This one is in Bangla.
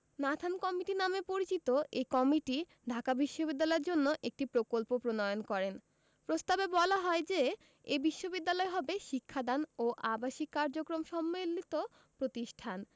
নাথান কমিটি নামে পরিচিত এ কমিটি ঢাকা বিশ্ববিদ্যালয়ের জন্য একটি প্রকল্প প্রণয়ন করেন প্রস্তাবে বলা হয় যে এ বিশ্ববিদ্যালয় হবে শিক্ষাদান ও আবাসিক কার্যক্রম সম্বলিত প্রতিষ্ঠান